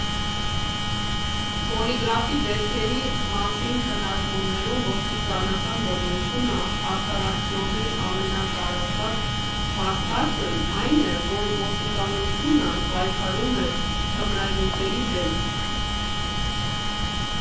Պոլիգրաֆի դեպքերի մասին քննարկումներում ոստիկանական բռնությունը արդարացնողների ամենատարածված փաստարկն այն է, որ ոստիկանությունը պայքարում է թմրանյութերի դեմ։